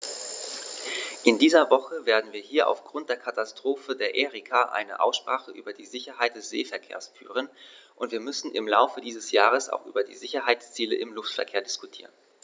In dieser Woche werden wir hier aufgrund der Katastrophe der Erika eine Aussprache über die Sicherheit des Seeverkehrs führen, und wir müssen im Laufe dieses Jahres auch über die Sicherheitsziele im Luftverkehr diskutieren.